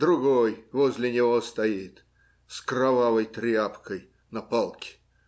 другой возле него стоит с кровавой тряпкой на палке.